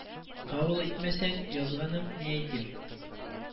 Кабул итмәсәң язганым, ни әйтим